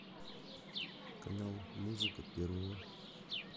канал музыка первого